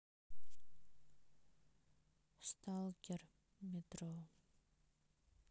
сталкер метро